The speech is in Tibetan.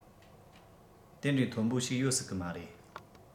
དེ འདྲའི མཐོན པོ ཞིག ཡོད སྲིད གི མ རེད